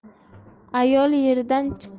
ayol yerdan chiqqan